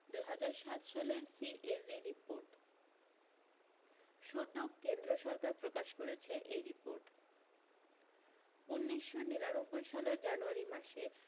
দু হাজার সাত সালের সিএজি রিপোর্ট সদ্য কেন্দ্র সরকার প্রকাশ করেছে এই রিপোর্ট উনিশশ নিরানব্বই সালের জানুয়ারি মাসে